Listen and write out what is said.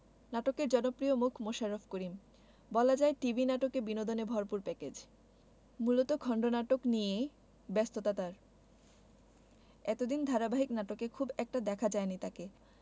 নাটকের জনপ্রিয় মুখ মোশাররফ করিম বলা যায় টিভি নাটকে বিনোদনে ভরপুর প্যাকেজ মূলত খণ্ডনাটক নিয়েই ব্যস্ততা তার এতদিন ধারাবাহিক নাটকে খুব একটা দেখা যায়নি তাকে